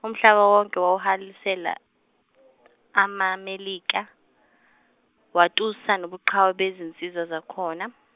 umhlaba wonke wawahalalisela, amaMelika, watusa nobuqhawe bezinsizwa zakhona.